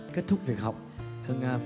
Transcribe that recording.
kết thúc việc học hưng